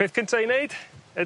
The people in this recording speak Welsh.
Peth cynta i neud ydi